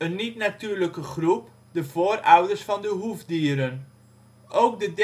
niet-natuurlijke groep, de voorouders van de hoefdieren). Ook de Desmostylia